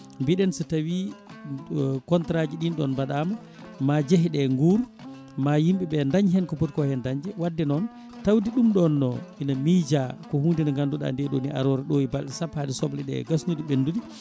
mbiɗen so tawi contrat ji ɗinɗon mbaɗama ma jeehe ɗe guur ma yimɓeɓe daañ hen ko pooti ko henn dañje wadde noon tawde ɗum ɗon ina miija ko hunde nde ganduɗa nde ɗo ni arore ɗo e balɗe sappo haade sobleɗe gasnude ɓendude